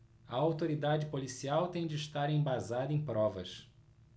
a autoridade policial tem de estar embasada em provas